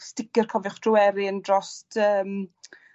sticer cofiwch dryweryn drost yym